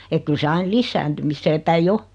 että kyllä se aina lisääntymiseen päin on